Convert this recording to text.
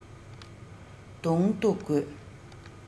གདོང གཏུག དགོས